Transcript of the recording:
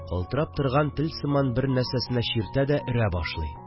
Калтырап торган тел сыман бер нәрсәсенә чиртә дә, өрә башлый